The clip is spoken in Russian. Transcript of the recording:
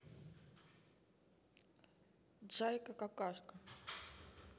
джайка какашка